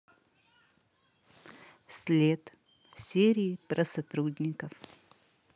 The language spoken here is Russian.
след серии про сотрудников